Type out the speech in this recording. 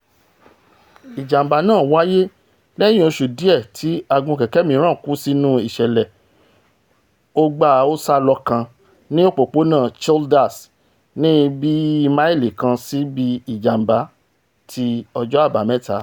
Ìjàm̀bá náà wáyé lẹ́yìn oṣu diẹ̀ ti agunkẹ̀kẹ́ mìíràn kú nínú ìṣẹ̀lẹ̀ ó-gbá-a-ó-sálọ kan ní Òpópónà Childers ní bíi máìlì kan síbi ìjàm̀bá ti ọjọ́ Àbámẹ́ta.